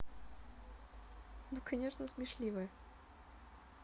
ну конечно смешливая